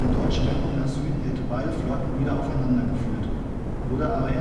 deutsche Wendung nach Süden hätte beide Flotten wieder aufeinander geführt, wurde aber